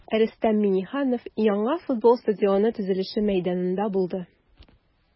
Рөстәм Миңнеханов яңа футбол стадионы төзелеше мәйданында булды.